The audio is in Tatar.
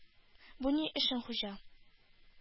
— бу ни эшең, хуҗа?